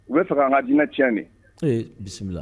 U bɛ sɔrɔ an na diinɛ ti de ee bisimila